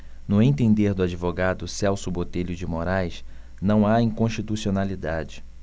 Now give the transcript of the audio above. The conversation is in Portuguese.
no entender do advogado celso botelho de moraes não há inconstitucionalidade